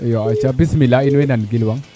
iyo aca bismilah in way nan gilwang